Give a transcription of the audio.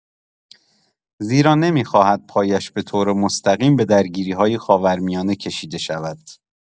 زیرا نمی‌خواهد پایش به‌طور مستقیم به درگیری‌های خاورمیانه کشیده شود.